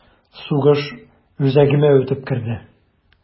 Сугыш үзәгемә үтеп керде...